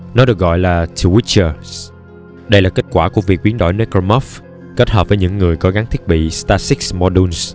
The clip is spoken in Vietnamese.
nó được gọi là twitchers đây là kết quả của việc biến đổi necromorph kết hợp với những người có gắn thiết bị stasis modules